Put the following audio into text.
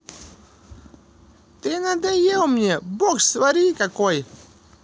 ты надоел мне борщ свари какой